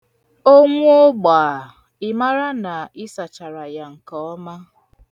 O nwuo gbaa, ị mara na ị sachara ya nke ọma.